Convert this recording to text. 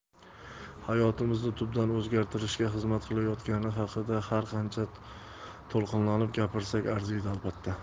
hayotimizni tubdan o'zgartirishga xizmat qilayotgani haqida har qancha to'lqinlanib gapirsak arziydi albatta